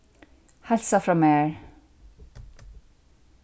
heilsa frá mær